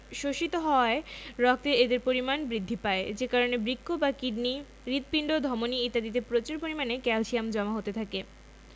শোষিত হওয়ায় রক্তে এদের পরিমাণ বৃদ্ধি পায় যে কারণে বৃক্ক বা কিডনি হৃৎপিণ্ড ধমনি ইত্যাদিতে প্রচুর পরিমাণে ক্যালসিয়াম জমা হতে থাকে